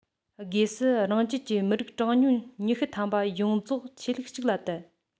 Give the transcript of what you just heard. སྒོས སུ རང རྒྱལ གྱི མི རིགས གྲངས ཉུང ཉི ཤུ ཐམ པ ཡོངས རྫོགས ཆོས ལུགས གཅིག ལ དད